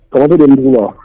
A bɛ bɛ mun wa